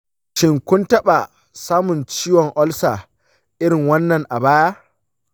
shin kun taɓa samun ciwon olsa irin wannan a baya?